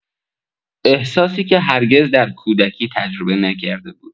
احساسی که هرگز در کودکی تجربه نکرده بود